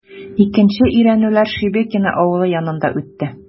Икенче өйрәнүләр Шебекиио авылы янында үтте.